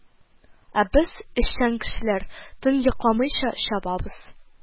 Ә без, эшчән кешеләр, төн йокламыйча чабабыз